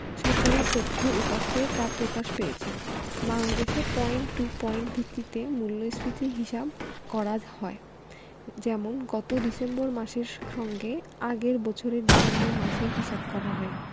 সরকারি তথ্য উপাত্তে তা প্রকাশ পেয়েছে বাংলাদেশে পয়েন্ট টু পয়েন্ট ভিত্তিতে মূল্যস্ফীতির হিসাব করা হয় যেমন গত ডিসেম্বর মাসের সঙ্গে আগের বছরের ডিসেম্বর মাসের হিসাব করা হয়